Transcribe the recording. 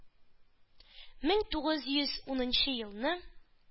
Мең тугыз йөз унынчы елны